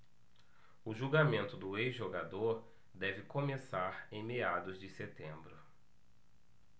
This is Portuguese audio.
o julgamento do ex-jogador deve começar em meados de setembro